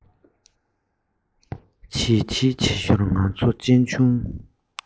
བྱིལ བྱིལ བྱེད ཞོར ང ཚོ གཅེན གཅུང